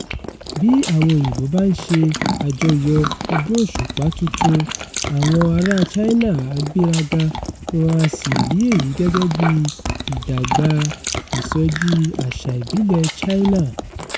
Bí àwọn Òyìnbó bá ń ṣe àjọyọ̀ Ọdún Òṣùpá Tuntun, àwọn aráa China á gbéraga wọ́n á sì rí èyí gẹ́gẹ́ bí ìdàgbà ìsọjí àṣà ìbílẹ̀ China...